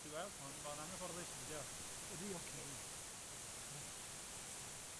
Ti weld mo'n mae o'n anghyfforddus on'd ydi o? Ydi ocê. O Iesu Mawr.